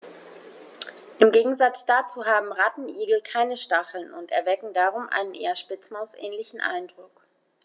Im Gegensatz dazu haben Rattenigel keine Stacheln und erwecken darum einen eher Spitzmaus-ähnlichen Eindruck.